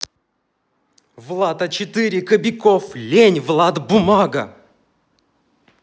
влад а четыре кобяков лень влад бумага